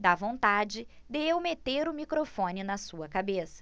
dá vontade de eu meter o microfone na sua cabeça